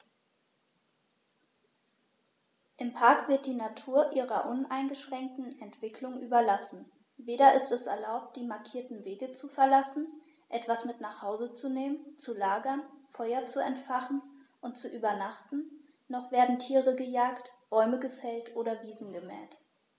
Im Park wird die Natur ihrer uneingeschränkten Entwicklung überlassen; weder ist es erlaubt, die markierten Wege zu verlassen, etwas mit nach Hause zu nehmen, zu lagern, Feuer zu entfachen und zu übernachten, noch werden Tiere gejagt, Bäume gefällt oder Wiesen gemäht.